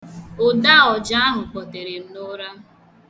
Ụda ọja ahụ kpọtere m n' ụra.